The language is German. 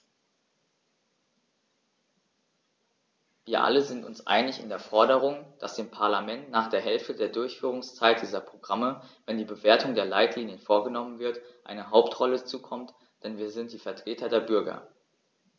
Wir alle sind uns einig in der Forderung, dass dem Parlament nach der Hälfte der Durchführungszeit dieser Programme, wenn die Bewertung der Leitlinien vorgenommen wird, eine Hauptrolle zukommt, denn wir sind die Vertreter der Bürger.